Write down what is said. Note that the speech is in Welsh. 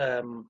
yym